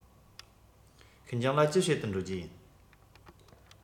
ཤིན ཅང ལ ཅི བྱེད དུ འགྲོ རྒྱུ ཡིན